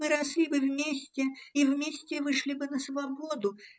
Мы росли бы вместе и вместе вышли бы на свободу.